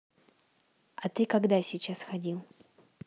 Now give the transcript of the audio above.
а ты когда сейчас ходил